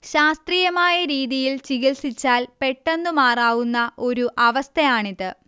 ശാസ്ത്രീയമായ രീതിയിൽ ചികിത്സിച്ചാൽ പെട്ടെന്നു മാറാവുന്ന ഒരു അവസ്ഥയാണിത്